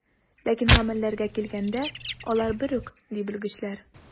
Ләкин гамәлләргә килгәндә, алар бер үк, ди белгечләр.